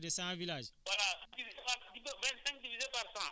waaw bu ñu ne parce que bu ñu xoolee commune bi ñu nekk rek ay plus de cent villages